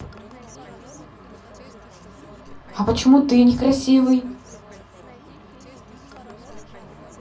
а почему ты некрасивый